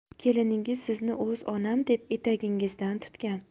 keliningiz sizni o'z onam deb etagingizdan tutgan